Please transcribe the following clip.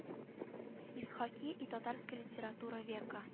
Исхаки и татарская литература века